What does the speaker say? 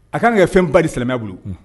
A ka kan ka fɛn ba ni silamɛmɛ bolo